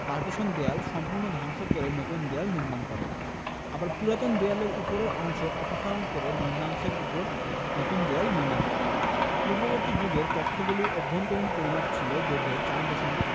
partition দেয়াল সম্পূর্ণ ধ্বংস করে নতুন দেয়াল নির্মাণ করে আবার পুরাতন দেয়ালের উপরের অংশ অপসারণ করে নিম্নাংশের উপর নতুন দেয়াল নির্মাণ করে পূর্ববর্তী যুগের কক্ষগুলির অভ্যন্তরীণ পরিমাপ ছিল দৈর্ঘ্যে ৪ দশমিক